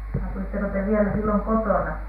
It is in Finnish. asuitteko te vielä silloin kotona